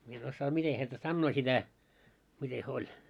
minä en osaa miten häntä sanoo sitä miten he oli